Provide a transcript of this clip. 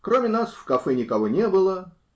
Кроме нас, в кафе никого не было.